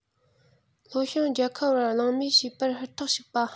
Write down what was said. ལྷོ བྱང རྒྱལ ཁབ བར གླེང མོལ བྱེད པར ཧུར ཐག ཞུགས པ